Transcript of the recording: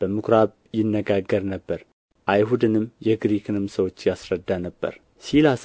በምኵራብ ይነጋገር ነበር አይሁድንና የግሪክንም ሰዎች ያስረዳ ነበር ሲላስ